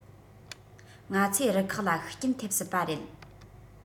ང ཚོའི རུ ཁག ལ ཤུགས རྐྱེན ཐེབས སྲིད པ རེད